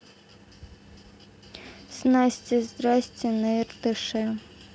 снасти здрасьте на иртыше